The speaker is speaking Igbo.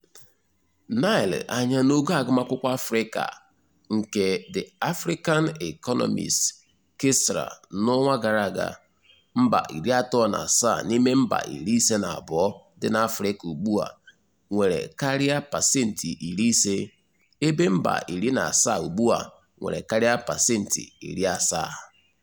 N'ile anya n'ogo agụmakwụkwọ Africa nke The African Economist kesara n'ọnwa gara aga, mba 37 n'ime mba 52 dị n'Afrịka ugbua nwere karịa pasenti 50, ebe mba 17 ugbua nwere karịa pasenti 70.